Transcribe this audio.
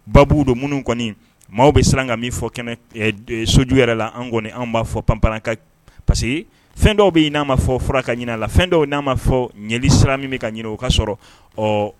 Babuu don minnu kɔni maaw bɛ siran ka min fɔ kɛnɛ soju yɛrɛ la an kɔni anw b'a fɔ panpka pa que fɛn dɔw bɛ n'a maa fɔ fɔra ka ɲinin la fɛn dɔw n'a fɔ ɲli siran min bɛ ka ɲinin o ka sɔrɔ ɔ